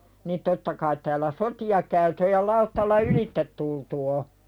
niin totta kai täällä sotia käyty on ja lautalla ylitse tultu on